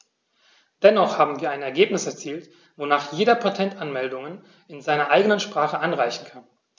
Dennoch haben wir ein Ergebnis erzielt, wonach jeder Patentanmeldungen in seiner eigenen Sprache einreichen kann.